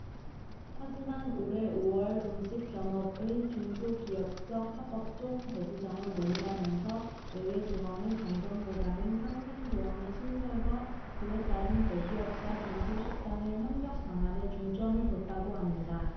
하지만 올해 오 월 음식점업의 중소기업적합업종 재지정을 논의하면서 예외조항을 변경보다는 상생 조항의 신설과 그에 따른 대기업과 중소식당의 협력 방안에 중점을 뒀다고 합니다